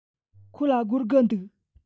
ཁོ ལ སྒོར དགུ འདུག